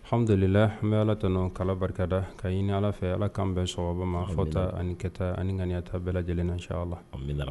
Hadela n bɛ alat kala barikada ka ɲini ala fɛ ala k'an bɛɛ s ma fɔta ani kɛta ani ŋyata bɛɛ lajɛlenna sa la